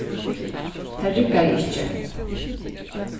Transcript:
tað riggaði ikki